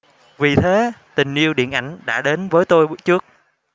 vì thế tình yêu điện ảnh đã đến với tôi trước